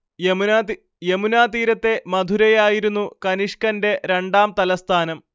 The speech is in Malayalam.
യമുനാ തീരത്തെ മഥുരയായിരുന്നു കനിഷ്കന്റെ രണ്ടാം തലസ്ഥാനം